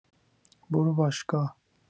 برو باشگاه